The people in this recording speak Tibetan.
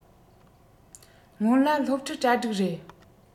སྔོན ལ སློབ ཁྲིད གྲ སྒྲིག རེད